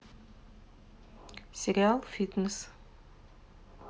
сериал фитнес